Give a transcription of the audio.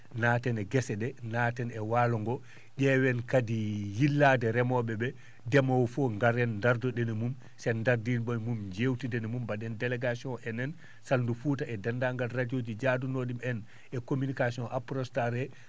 naaten e gese ?e naaten e waalo ngoo ?eewen kadi yillaade remoo?e ?ee ndemoowo fof ngaren dardo?en mum si en dardiima e mum njeewtiden e mum mba?en délégation enen Saldu Fouta e denndaangal radio ji jaadunoo?i en e communication (apronstar ) he